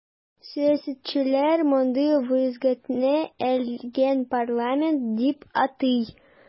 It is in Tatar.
Сәясәтчеләр мондый вазгыятне “эленгән парламент” дип атый.